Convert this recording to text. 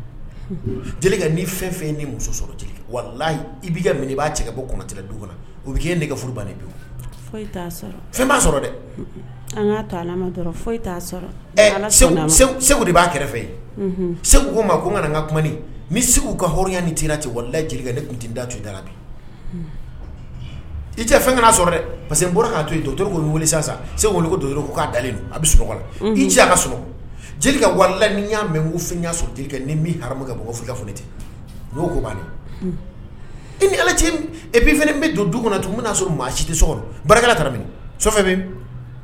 Muso i i b'a cɛ bɔ o bɛ' nɛgɛ bi t b'a sɔrɔ dɛ an t segu de b'a kɛrɛfɛ segu ko n ka n kaya ni ti cɛ wali jeli ne kun da tun da dɛ i cɛ fɛn sɔrɔ dɛ parceseke' to i wilisa sa segu' dalen ka sɔrɔ jeli ka wali ni f so ni' f i f ten y' ko i ni bɛ don du kɔnɔ tun sɔrɔ maa si tɛ so barika